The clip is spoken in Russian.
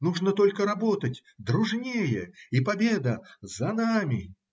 Нужно только работать дружнее, и победа за нами.